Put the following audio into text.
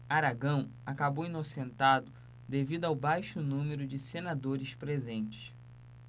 aragão acabou inocentado devido ao baixo número de senadores presentes